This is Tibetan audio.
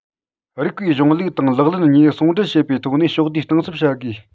རིགས པའི གཞུང ལུགས དང ལག ལེན གཉིས ཟུང འབྲེལ བྱེད པའི ཐོག ནས ཕྱོགས བསྡུས གཏིང ཟབ བྱ དགོས